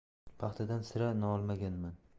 paxtadan sira nolimaganman